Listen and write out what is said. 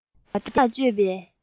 དཀའ བ བརྒྱ ཕྲག སྤྱོད པའི